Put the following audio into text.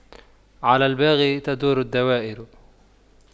على الباغي تدور الدوائر